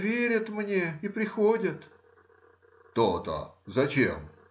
— Верят мне и приходят. — То-то; зачем?